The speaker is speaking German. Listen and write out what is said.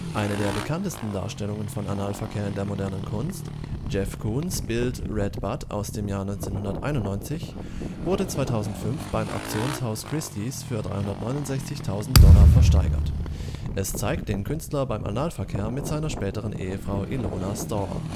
Eine der bekanntesten Darstellungen von Analverkehr in der modernen Kunst, Jeff Koons Bild Red Butt aus dem Jahr 1991 wurde 2005 beim Auktionshaus Christie 's für $ 369.000 versteigert. Es zeigt den Künstler beim Analverkehr mit seiner späteren Ehefrau Ilona Staller